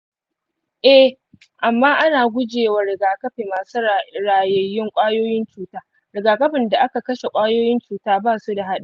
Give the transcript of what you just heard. eh, amma ana guje wa rigakafi masu rayayyun ƙwayoyin cuta. rigakafin da aka kashe ƙwayoyin cuta ba su da haɗari.